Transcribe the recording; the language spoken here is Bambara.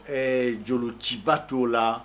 Ɛɛ joli ciba t' o la